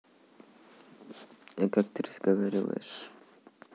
а как ты разговариваешь